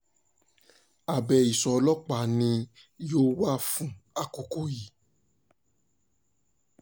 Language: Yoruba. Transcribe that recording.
Abẹ́ ìṣọ́ ọlọ́pàá ni yóò wà fún àkókò yìí.